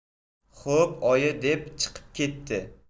xo'p oyi deb chiqib ketdi